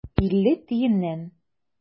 Илле тиеннән.